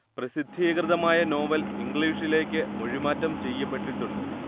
പ്രസിദ്ധീകൃതമായ novel ഇംഗ്ലീഷിലേയ്ക്ക് മൊഴിമാറ്റം ചെയ്യപ്പെട്ടിട്ടുണ്ട്